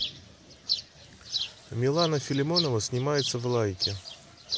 милана филимонова снимается в лайке